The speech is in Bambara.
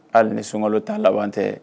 Hali ni sunkalo tan laban tɛ